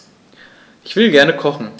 Ich will gerne kochen.